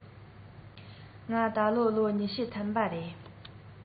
ང ད ལོ ལོ ཉི ཤུ ཐམ པ རེད